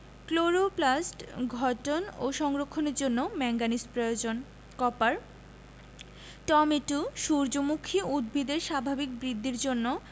chloroplast গঠন ও সংরক্ষণের জন্য ম্যাংগানিজ প্রয়োজন কপার টমেটো সূর্যমুখী উদ্ভিদের স্বাভাবিক বৃদ্ধির জন্য